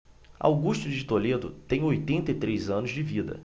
augusto de toledo tem oitenta e três anos de vida